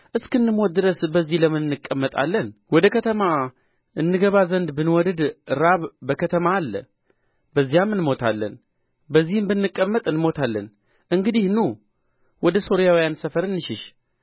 እስክንሞት ድረስ በዚህ ለምን እንቀመጣለን ወደ ከተማ እንገባ ዘንድ ብንወድድ ራብ በከተማ አለ በዚያም እንሞታለን በዚህም ብንቀመጥ እንሞታለን እንግዲህ ኑ ወደ ሶርያውያን ሰፈር እንሽሽ